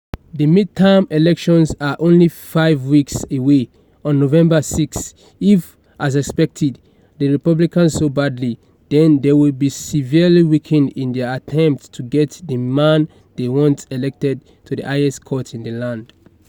The midterm elections are only five weeks away, on November 6 - if, as expected, the Republicans do badly, then they will be severely weakened in their attempts to get the man they want elected to the highest court in the land.